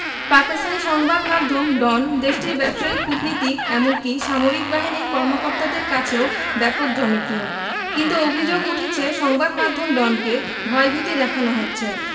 পাকিস্তানি সংবাদ মাধ্যম ডন দেশটির ব্যবসায়ী কূটনীতিক এমনকি সামরিক বাহিনীর কর্মকর্তাদের কাছেও ব্যাপক জনপ্রিয় কিন্তু অভিযোগ উঠেছে সংবাদ মাধ্যম ডনকে ভয়ভীতি দেখানো হচ্ছে